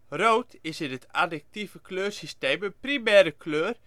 Rood is in het additieve kleursysteem een primaire kleur